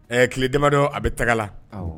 Ɛ kile damabadɔ a bɛ tagaga la